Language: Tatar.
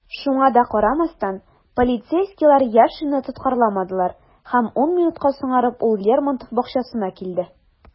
Шуңа да карамастан, полицейскийлар Яшинны тоткарламадылар - һәм ун минутка соңарып, ул Лермонтов бакчасына килде.